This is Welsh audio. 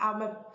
a ma'